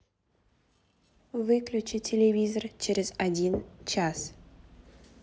выключи телевизор через один час